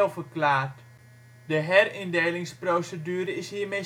verklaard. De herindelingsprocedure is hiermee